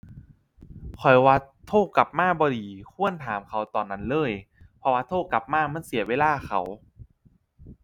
ข้อยว่าโทรกลับมาบ่ดี ควรถามเขาตอนนั้นเลย เพราะว่าโทรกลับมามันเสียเวลาเขา